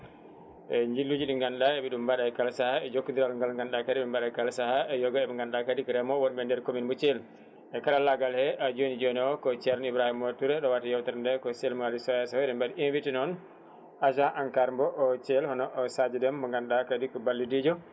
eyyi jilluji ɗi ganduɗa eɓe ɗum mbaɗa e kala saaha e jokkodiral ngal ganduɗa kadi ɓe mbaɗa kala saaha e yogoya mo ganduɗa kadi ko remoɓe wonɓe e nder commune mo Thiel e karallagal he joni joni o ko ceerno Ibrahima Touré ɗowata yewtere nde * eɗen mbaɗi invité noon agent ENCAR mo Thiel hono Sadio Déme mo ganduɗa kadi ko ballidijo